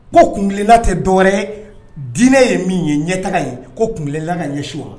Ko kunla tɛ dɔwɛrɛ ye diinɛ ye min ye ɲɛ tagaga ye kola ka ɲɛsu wa